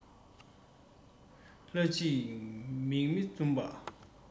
ལྷ ཅིག མིག མི འཛུམ པ